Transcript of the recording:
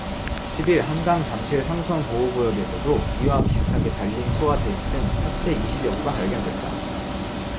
십 일 한강 잠실 상수원 보호구역에서도 이와 비슷하게 잘린 소와 돼지 등 사체 이십 여 구가 발견됐다